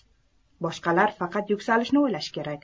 boshqalar faqat yuksalishni o'ylashi kerak